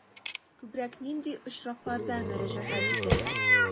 Күбрәк нинди очракларда мөрәҗәгать итәләр?